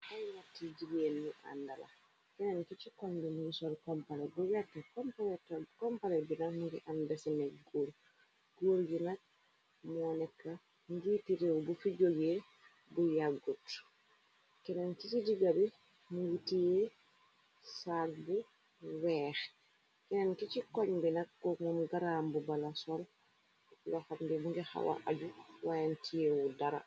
Ati jigeen yu àndala kenen ki ci koñ bi mngi sor kompale bu wette kompale bina mungi andesenek góur góur yu nak moo nekka ngiiti réew bu fi joge bu yaggut keneen ci ci jigari mungi tie sagg bu weexe keneen ki ci koñ bi nak konum garaam bu bala sor loxambi mu ngi xawa aju wayenteewudara.